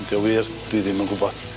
Ydi o wir dwi ddim yn gwbo.